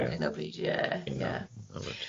ar hyn o bryd ie ie.